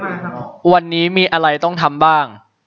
วันนี้มีอะไรต้องทำบ้าง